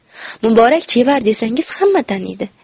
muborak chevar desangiz hamma taniydi